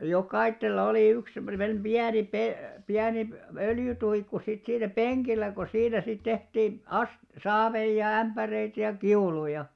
jokaisella oli yksi semmoinen pieni -- öljytuikku sitten siinä penkillä kun siinä sitten tehtiin - saaveja ja ämpäreitä ja kiuluja